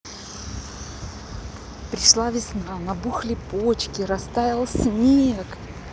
пришла весна набухли почки растаял снег